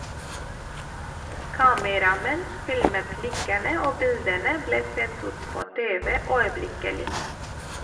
Kameramenn filmet likene og bildene ble sendt ut på TV øyeblikkelig.